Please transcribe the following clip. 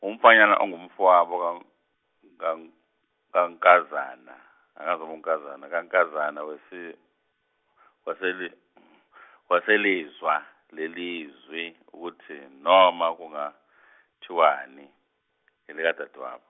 umfanyana ongumfowabo kan- kan- kaNkazana kaNkazana kaNkazana wesi- waselwe- waselizwa lelizwi ukuthi noma kungathiwani elikadadewabo.